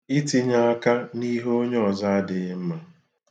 Itinye aka n'ihe onye ọzọ adịghị mma.